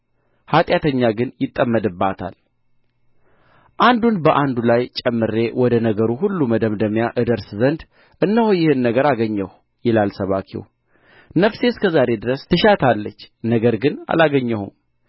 ኃጢአተኛ ግን ይጠመድባታል አንዱን በአንዱ ላይ ጨምሬ ወደ ነገሩ ሁሉ መደምደሚያ እደርስ ዘንድ እነሆ ይህን ነገር አገኘሁ ይላል ሰባኪው ነፍሴ እስከ ዛሬ ድረስ ትሻታለች ነገር ግን አላገኘሁም